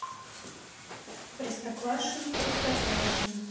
простоквашино простоквашино